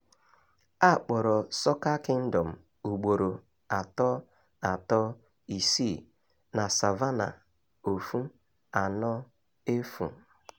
A kpọrọ "Soca Kingdom" ugboro 336, na "Savannah" 140.